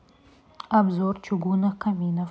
обзор чугунных каминов